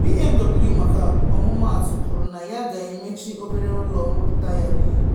BMW, maka ọmụmatụ, kwuru na ya ga-emechi Obere ụlọ nrụpụta ya